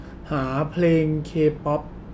หาเพลงเคป๊อป